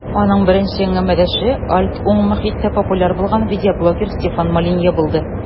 Аның беренче әңгәмәдәше "альт-уң" мохиттә популяр булган видеоблогер Стефан Молинье булды.